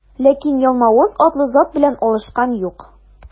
Ләкин Ялмавыз атлы зат белән алышкан юк.